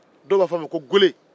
dɔw b'a fɔ a ma ko gele